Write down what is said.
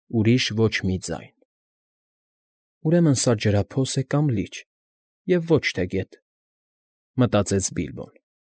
Ուրիշ ոչ մի ձայն։ «Ուրեմն սա ջրափոս է կամ լիճ և ոչ թե գետ»,֊ մտածեց Բիլբոն։